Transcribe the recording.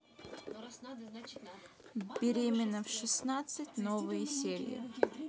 беременна в шестнадцать новые серии